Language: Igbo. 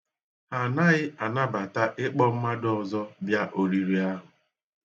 Ha anaghị anabata ịkpọ mmadụ ọzọ bịa oriri ahụ.